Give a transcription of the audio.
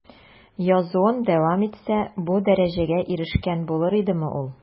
Язуын дәвам итсә, бу дәрәҗәгә ирешкән булыр идеме ул?